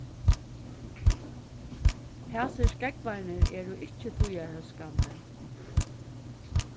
hasir skógvarnir eru ikki tíðarhóskandi